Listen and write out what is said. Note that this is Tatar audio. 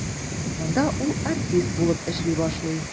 Монда ул артист булып эшли башлый.